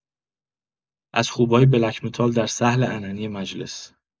از خوبای بلک متال در صحن علنی مجلس